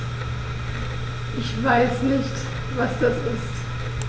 Ich weiß nicht, was das ist.